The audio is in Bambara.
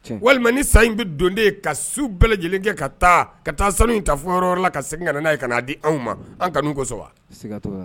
Walima ni sa in bɛ don den ka su bɛɛ lajɛlen kɛ ka taa ka sanu ta fɔ yɔrɔ wɛrɛ la ka segin ka na di anw ma an Kanu kama wa? Sika t'i la.